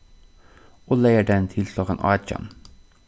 og leygardagin til klokkan átjan